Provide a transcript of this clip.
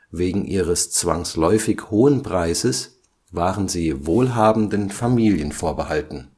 Wegen ihres zwangsläufig hohen Preises waren sie wohlhabenden Familien vorbehalten